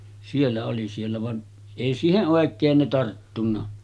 siellä oli siellä vaan ei siihen oikein ne tarttunut